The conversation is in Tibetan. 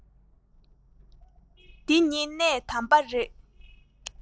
འདི གཉིས གནད དམ པ རེད